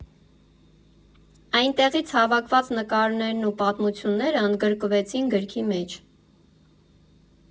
Այնտեղից հավաքված նկարներն ու պատմություններն ընդգրկվեցին գրքի մեջ։